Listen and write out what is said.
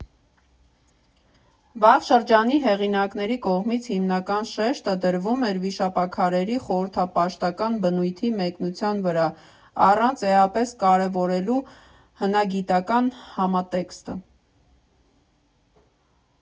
Վաղ շրջանի հեղինակների կողմից հիմնական շեշտը դրվում էր վիշապաքարերի խորհրդապաշտական բնույթի մեկնության վրա՝ առանց էապես կարևորելու հնագիտական համատեքստը։